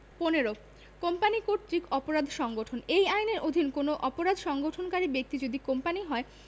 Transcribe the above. ১৫ company কর্র্তক অপরাধ সংঘটনঃ এই আইনের অধীন কোন অপরাধ সংঘটনকারী ব্যক্তি যদি কোম্পানী হয়